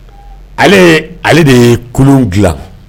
Ale ye, ale de ye kulun dilan